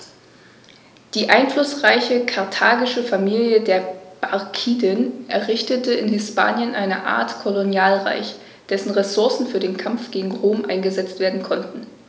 Die einflussreiche karthagische Familie der Barkiden errichtete in Hispanien eine Art Kolonialreich, dessen Ressourcen für den Kampf gegen Rom eingesetzt werden konnten.